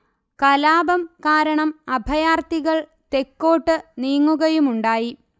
കലാപം കാരണം അഭയാർത്ഥികൾ തെക്കോട്ട് നീങ്ങുകയുമുണ്ടായി